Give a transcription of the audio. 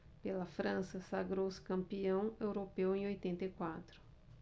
pela frança sagrou-se campeão europeu em oitenta e quatro